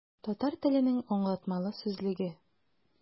Татар теленең аңлатмалы сүзлеге.